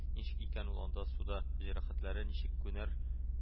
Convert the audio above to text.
Ничек икән ул анда суда, җәрәхәтләре ничек күнәр